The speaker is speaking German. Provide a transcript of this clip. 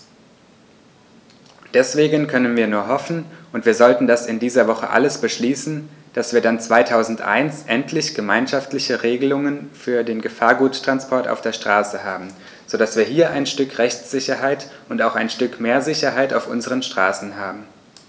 Deswegen können wir nur hoffen - und wir sollten das in dieser Woche alles beschließen -, dass wir dann 2001 endlich gemeinschaftliche Regelungen für den Gefahrguttransport auf der Straße haben, so dass wir hier ein Stück Rechtssicherheit und auch ein Stück mehr Sicherheit auf unseren Straßen haben.